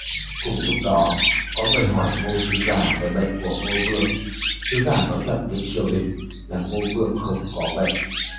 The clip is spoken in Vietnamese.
cùng lúc đó có người hỏi ngô sứ giả về bệnh của ngô vương sứ giả nói thật với triều đình là ngô vương không có bệnh